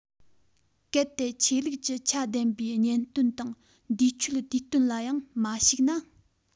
གལ ཏེ ཆོས ལུགས ཀྱི ཆ ལྡན པའི གཉེན སྟོན དང འདས མཆོད དུས སྟོན ལ ཡང མ ཞུགས ན